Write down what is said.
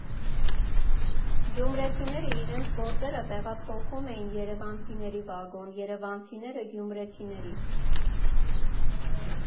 Գյումրեցիները իրենց գործերը տեղափոխում էին երևանցիների վագոն, երևանցիները գյումրեցիների։